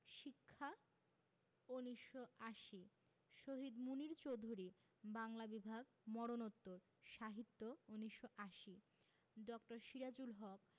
শিক্ষা ১৯৮০ শহীদ মুনীর চৌধুরী বাংলা বিভাগ মরণোত্তর সাহিত্য ১৯৮০ ড. সিরাজুল হক